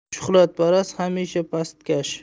shuhratparast hamisha pastkash